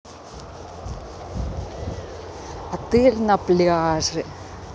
отель на пляже